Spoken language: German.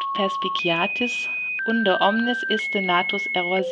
perspiciatis, unde omnis iste natus error